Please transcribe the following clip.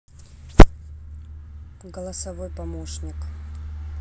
голосовой помощник